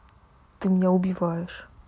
ты меня убиваешь